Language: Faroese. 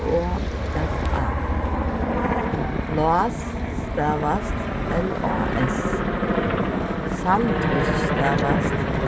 o f a lás stavast l á s sandwich stavast